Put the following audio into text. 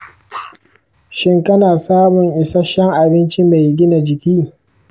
shin kana samun isasshen abinci mai gina jiki?